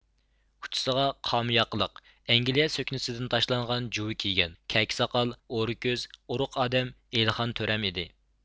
ئۇچىسىغا قاما ياقىلىق ئەنگلىيە سۆكنىسىدىن تاشلانغان جۇۋا كىيگەن كەكە ساقال ئورا كۆز ئورۇق ئادەم ئېلىخان تۆرەم ئىدى